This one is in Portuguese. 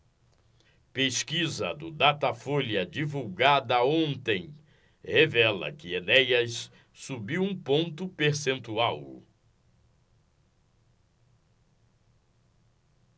pesquisa do datafolha divulgada ontem revela que enéas subiu um ponto percentual